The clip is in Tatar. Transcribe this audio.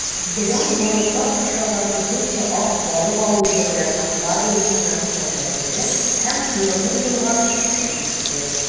Елан балыкка охшаган озынча ак балык авызы белән аквариум стенасына бәрелде һәм, койрыгын болгап, читкә китте.